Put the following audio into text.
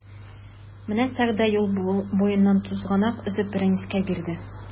Менә Сәгъдә юл буеннан тузганак өзеп Рәнискә бирде.